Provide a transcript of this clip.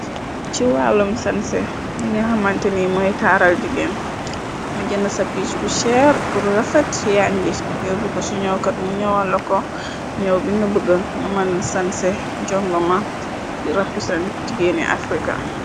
Ci waalum sanse li nga xamanteni mooy taaral jigeen nga jën ca piic bu cheer buru rafet yàñji ngirbu ko ci ñookat mu ñowa la ko ñëow bi nga bëgg nga mën sanse jongoma di represent jigeeni africa.